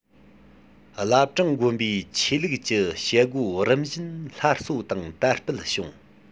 བླ བྲང དགོན པའི ཆོས ལུགས ཀྱི བྱེད སྒོ རིམ བཞིན སླར གསོ དང དར སྤེལ བྱུང